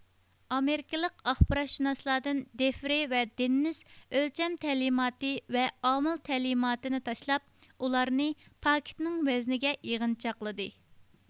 ئامېرىكىلىق ئاخباراتشۇناسلاردىن دېفرې ۋە دېننىس ئۆلچەم تەلىماتى ۋە ئامىل تەلىماتىنى تاشلاپ ئۇلارنى پاكىتنىڭ ۋەزنىگە يىغىنچاقلىدى